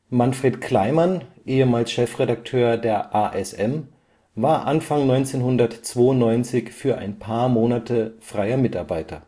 Manfred Kleimann (ehemals Chefredakteur der ASM) war Anfang 1992 für ein paar Monate freier Mitarbeiter